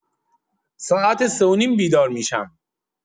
ساعت سه و نیم بیدار می‌شم.